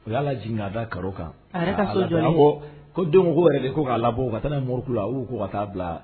O y'a la jigin da carreau kan a yɛrɛ ka so jɔlen ko denw ko ko k'a labɔ u ka taa n'a morgue la ou bien u ka taa bila